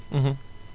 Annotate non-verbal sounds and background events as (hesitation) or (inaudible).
(hesitation) (hesitation)